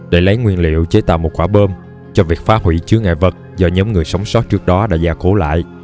để lấy nguyên liệu chế tạo một quả bom cho việc phá hủy chướng ngại vật do nhóm người sống sót trước đó đã gia cố lại